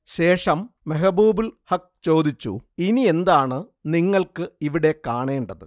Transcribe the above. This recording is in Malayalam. ശേഷം മെഹ്ബൂബുൽ ഹഖ് ചേദിച്ചു: ഇനിയെന്താണ് നിങ്ങൾക്ക് ഇവിടെ കാണേണ്ടത്